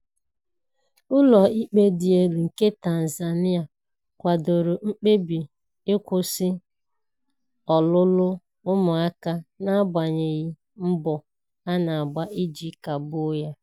Ụlọ ikpe dị elu nke Tanzania kwadoro mkpebi ịkwụsị ọlụlụ ụmụaka na-agbanyeghị mbọ a na-agba iji kagbuo ya